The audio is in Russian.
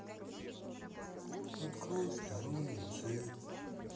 открой второй рецепт